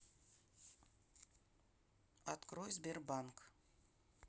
открой сбербанк